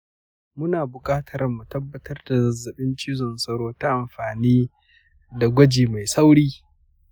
muna bukatar mu tabbatar da zazzabin cizon sauro ta amfani da gwaji mai sauri